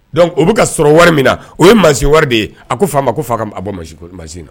Donc o bɛ ka sɔrɔ wari min na o ye mansi wari de ye a ko fa man ko fa k'a bɔ. mansi na.